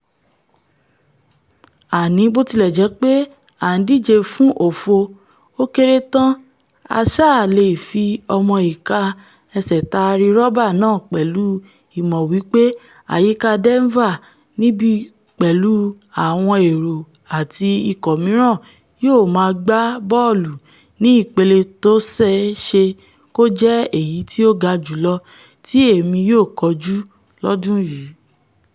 Àní botilẹjepe à ńdíje fún òfo, ó kéré tán á sáà leè fi ọmọ-ìka ẹsẹ̀ taari rọ́bà náà pẹ̀lú ìmọ̀ wí pé àyíká Denver níbí pẹ̀lú àwọn èrò àti ikọ̀ mìíràn yóò maá gba bọ́ọ̀lù ní ipele tóṣeé ṣe kójẹ́ èyití ó ga jùlọ ti emi yóò kojú lọ́dún yìí.